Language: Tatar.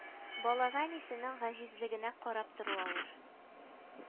Балага әнисенең гаҗизлегенә карап тору авыр